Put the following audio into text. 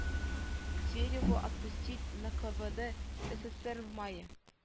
Звереву отпустить нквд ссср в мае